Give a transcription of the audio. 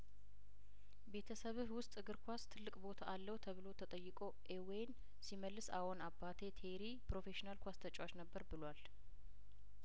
ቤተሰብህ ውስጥ እግር ኳስ ትልቅ ቦታ አለው ተብሎ ተጠይቆ ኤዌን ሲመልስ አዎን አባቴ ቴሪ ፕሮፌሽናል ኳስ ተጫዋች ነበር ብሏል